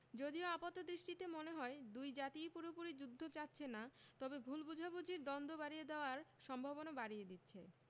যদিও আপাতদৃষ্টিতে মনে হয় দুই জাতিই পুরোপুরি যুদ্ধ চাচ্ছে না তবে ভুল বোঝাবুঝি দ্বন্দ্ব বাড়িয়ে দেওয়ার সম্ভাবনা বাড়িয়ে দিচ্ছে